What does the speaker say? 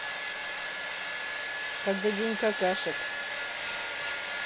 когда день какашек